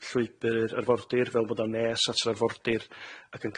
llwybr arfordir fel bod o'n nes at arfordir ac yn